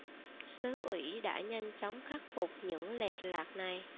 xứ ủy đã nhanh chóng khắc phục những lệch lạc này